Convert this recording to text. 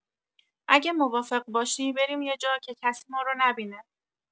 اگه موافق باشی بریم یه جا که کسی مارو نبینه.